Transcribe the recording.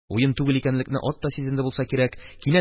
Уен түгел икәнлекне ат та сизенде булса кирәк, кинәт